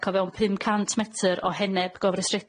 ac o fewn pum cant metr o heneb gofrestredig.